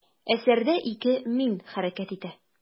Әсәрдә ике «мин» хәрәкәт итә.